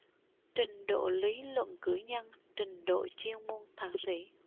trình độ lý luận cử nhân trình độ chuyên môn thạc sĩ